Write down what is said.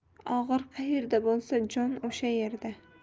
og'riq qayerda bo'lsa jon o'sha yerda